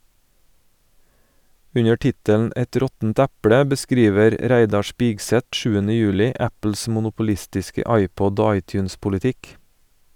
Under tittelen "Et råttent eple" beskriver Reidar Spigseth 7. juli Apples monopolistiske iPod- og iTunes-politikk.